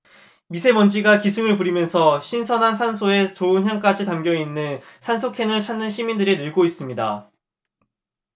미세먼지가 기승을 부리면서 신선한 산소에 좋은 향까지 담겨 있다는 산소캔을 찾는 시민들이 늘고 있습니다